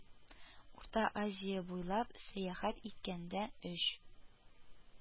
Урта Азия буйлап сәяхәт иткәндә өч